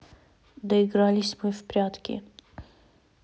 доигрались мы в прятки